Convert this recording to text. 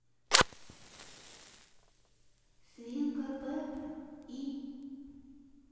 свинка пеппа и